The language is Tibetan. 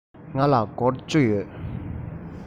ང ལ སྒོར བཅུ ཡོད